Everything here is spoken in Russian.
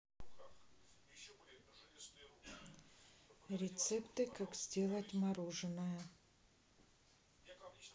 рецепты как сделать мороженое